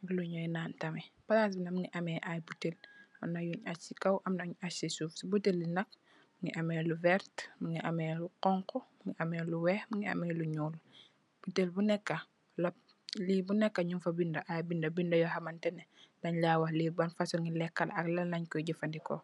ak lu njoi nan tamit, plass bii nak mungy ameh aiiy butehll, amna yungh ahjj cii kaw, amna yungh ahjj cii suff, cii butehli nak mungy ameh lu vert, mungy ameh lu khonku, mungy ameh lu wekh, mungy ameh lu njull, butehll bu neka lob, lii bu neka njung fa binda aiiy binda, binda yor hamanteh neh dengh lai wakh lii ban fasoni lehkah la ak lan langh koi jeufandehkor.